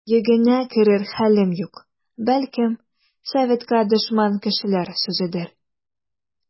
Йөгенә керер хәлем юк, бәлкем, советка дошман кешеләр сүзедер.